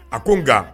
A ko nka